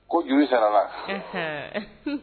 Ko juru sarala,